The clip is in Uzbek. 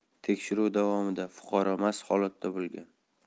tekshiruv davomida fuqaro mast holatda bo'lgan